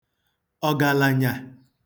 ọ̀ġàlànyà